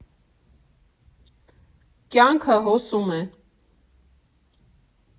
Կյանքը հոսում է։